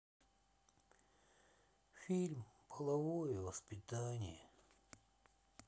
фильм половое воспитание